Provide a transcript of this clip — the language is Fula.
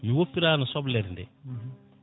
mi woppirano soblere nde